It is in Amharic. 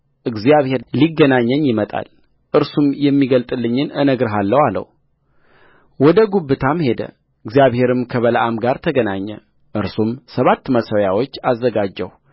እግዚአብሔር ሊገናኘኝ ይመጣል እርሱም የሚገልጥልኝን እነግርሃለሁ አለው ወደ ጉብታም ሄደእግዚአብሔርም ከበለዓም ጋር ተገናኘ እርሱም ሰባት መሠዊያዎች አዘጋጀሁ